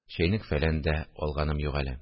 Чәйнек-фәлән дә алганым юк әле